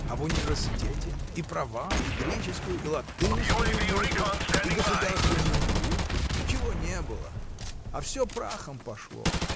А в университете: и права, и греческую, и латынскую мудрость, и государственные науки, чего не было? А всё прахом пошло.